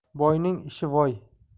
boyning ishi voy